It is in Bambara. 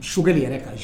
Sokɛ bɛ yɛrɛ k ka